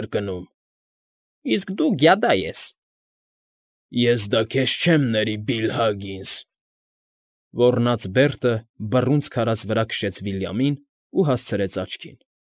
Կրկնում։ ֊ Իսկ դու գյադա ես։ ֊ Ես դա քեզ չեմ ների, Բիլլ Հագինս,֊ ոռնաց Բերտը, բռունցք արած վրա քշեց Վիլյամին ու հասցրեց աչքինՖ։